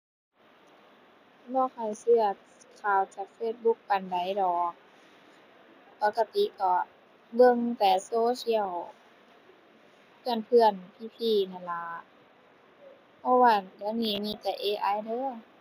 บ่ค่อยเชื่อข่าวจาก Facebook ปานใดดอก ปกติก็เบิ่งแต่โซเชียล เพื่อนเพื่อน พี่พี่นั่นล่ะ เพราะว่าเดี๋ยวนี้มีแต่ AI เด้อ